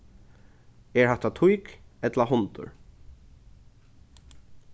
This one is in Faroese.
er hatta tík ella hundur